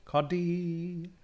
Codi...